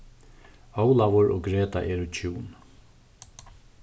ólavur og greta eru hjún